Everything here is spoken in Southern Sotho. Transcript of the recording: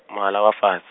mohala wa fatsh-.